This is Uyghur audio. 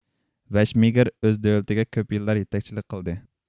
ۋەشمېگىر ئۆز دۆلىتىگە كۆپ يىللار يېتەكچىلىك قىلدى